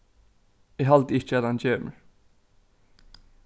eg haldi ikki at hann kemur